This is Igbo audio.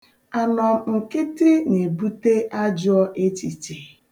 Anọmnkịtị na-ebute ajọọ echiche.